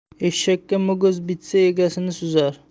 eshakka muguz bitsa egasini suzar